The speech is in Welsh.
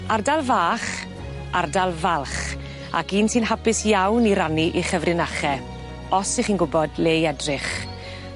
Ardal fach, ardal falch ac un sy'n hapus iawn i rannu 'i chyfrinache os 'ych chi'n gwbod le i edrych.